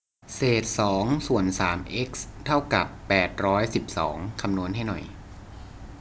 เศษสองส่วนสามเอ็กซ์เท่ากับแปดร้อยสิบสองคำนวณให้หน่อย